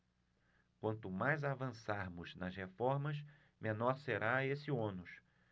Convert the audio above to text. quanto mais avançarmos nas reformas menor será esse ônus